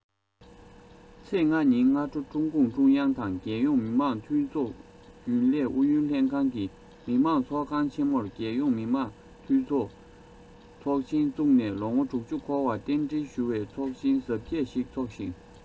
ཚེས ཉིན གྱི སྔ དྲོ ཀྲུང གུང ཀྲུང དབྱང དང རྒྱལ ཡོངས མི དམངས འཐུས ཚོགས རྒྱུན ལས ཨུ ཡོན ལྷན ཁང གིས མི དམངས ཚོགས ཁང ཆེ མོར རྒྱལ ཡོངས མི དམངས འཐུས མི ཚོགས ཆེན བཙུགས ནས ལོ ངོ འཁོར བར རྟེན འབྲེལ ཞུ བའི ཚོགས ཆེན གཟབ རྒྱས ཤིག འཚོགས ཤིང